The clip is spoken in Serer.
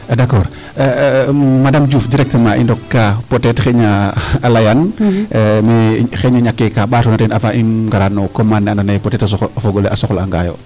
d' accord madame Diouf directement i ndok kaa peut etre xeuyna a leyaan xayna ñake kaa mbatoona teen avant i ngara no commande ne ando naye peut etre o fogole a soxla anga yo